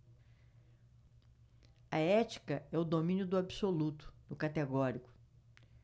a ética é o domínio do absoluto do categórico